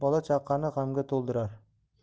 bola chaqani g'amga to'ldirar